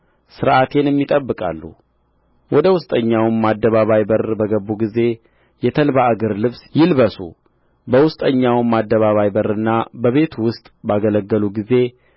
ሥርዓቴንም ይጠብቃሉ ወደ ውስጠኛውም አደባባይ በር በገቡ ጊዜ የተልባ እግር ልብስ ይልበሱ በውስጠኛውም አደባባይ በርና በቤቱ ውስጥ ባገለገሉ ጊዜ